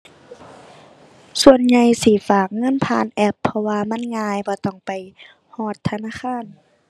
ส่วนใหญ่สิฝากเงินผ่านแอป เพราะว่ามันง่ายบ่ต้องไปฮอดธนาคาร